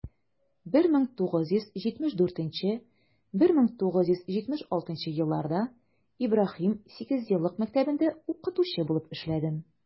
1974 - 1976 елларда ибраһим сигезьеллык мәктәбендә укытучы булып эшләдем.